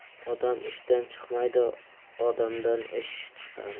odam ishdan chiqmaydi odamdan ish chiqadi